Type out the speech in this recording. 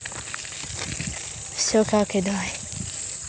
все какай давай